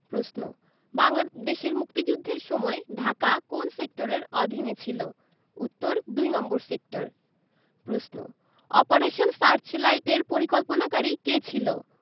প্রশ্ন বাংলাদেশের মুক্তিযুদ্ধের সময় ঢাকা কোন সেক্টরের অধীনে ছিলো উত্তর দুই নম্বর সেক্টর প্রশ্ন অপারেশন সার্চলাইটের পরিকল্পনাকারী কে ছিল